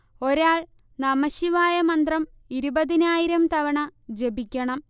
ഒരാൾ നമഃശിവായ മന്ത്രം ഇരുപതിനായിരം തവണ ജപിക്കണം